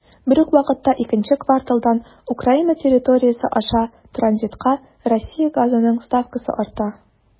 Бер үк вакытта икенче кварталдан Украина территориясе аша транзитка Россия газының ставкасы арта.